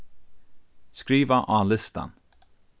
skriva á listan